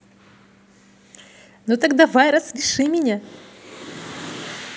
ну так давай рассмеши меня